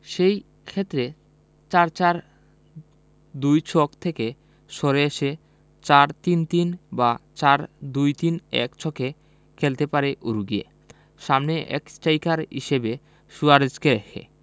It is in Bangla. সে ক্ষেত্রে ৪ ৪ ২ ছক থেকে সরে এসে ৪ ৩ ৩ বা ৪ ২ ৩ ১ ছকে খেলতে পারে উরুগুয়ে সামনে এক স্টাইকার হিসেবে সুয়ারেজকে রেখে